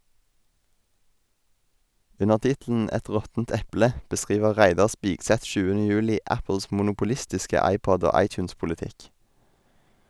Under tittelen "Et råttent eple" beskriver Reidar Spigseth 7. juli Apples monopolistiske iPod- og iTunes-politikk.